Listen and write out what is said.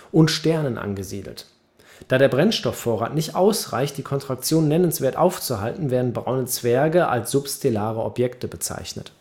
und Sternen angesiedelt. Da der Brennstoffvorrat nicht ausreicht, die Kontraktion nennenswert aufzuhalten, werden braune Zwerge als substellare Objekte bezeichnet